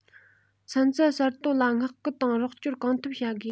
ཚན རྩལ གསར གཏོད ལ བསྔགས སྐུལ དང རོགས སྐྱོར གང ཐུབ བྱ དགོས